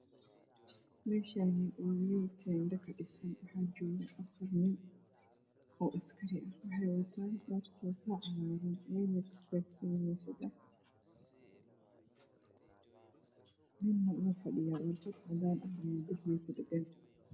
Meeshaan waa laami waxaa socdo baabuuro nin ayaa laamiga geeeskeeda joogo oo wata shaati cagaar